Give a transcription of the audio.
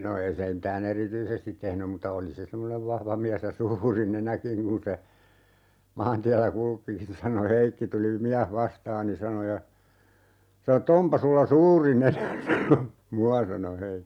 no ei se mitään erityisesti tehnyt mutta oli se semmoinen vahva mies ja suuri nenäkin kun se maantiellä kulki niin sanoi Heikki tuli mies vastaani sanoi ja sanoi että onpa sinulla suuri nenä sanoi minua sanoi Heikki